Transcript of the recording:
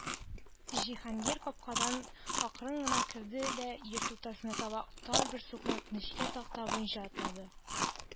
Җиһангир капкадан акрын гына керде дә йорт уртасына таба тар бер сукмак—нечкә такта буенча атлады.